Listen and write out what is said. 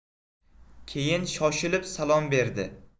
keyin shoshilib salom berdi